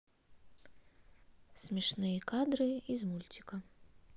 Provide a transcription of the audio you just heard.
смешные кадры из мультика